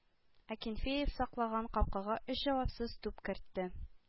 Акинфеев саклаган капкага өч җавапсыз туп кертте.